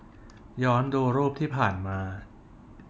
ย้อนดูรูปที่ผ่านมา